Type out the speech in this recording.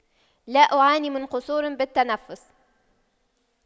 لا أعاني من قصور بالتنفس